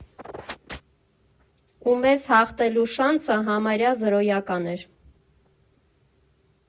Ու մեզ հաղթելու շանսը համարյա զրոյական էր։